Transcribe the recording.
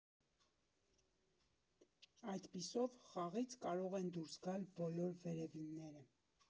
Այդպիսով խաղից կարող են դուրս գալ բոլոր վերևինները.